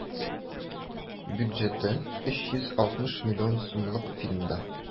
Бюджеты 360 миллион сумлык фильмда.